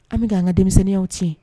An bɛ k' an ka denmisɛnninyaw tiɲɛ